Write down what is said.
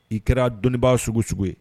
I kɛra dɔnnibaaa sugu sugu ye